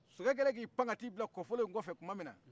sokɛ kelen k'i pan ka t'i bila kɔlolo yin kɔfɛ tumaninna